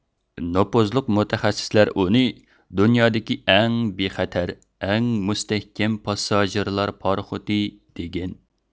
نوپۇزلۇق مۇتەخەسسىسلەر ئۇنى دۇنيادىكى ئەڭ بىخەتەر ئەڭ مۇستەھكەم پاسساژىرلار پاراخوتى دېگەن